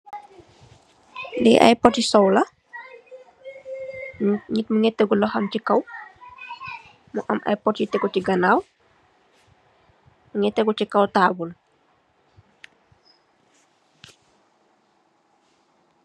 Li ay pôtti soow la mugii tek loxom ci kaw am ay pot yu tégu ci ganaw mugii tégu ci kaw tabull.